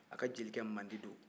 a ka jelikɛ mandi don